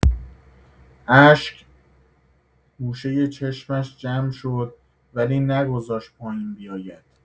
اشک گوشه چشمش جمع شد ولی نگذاشت پایین بیاید.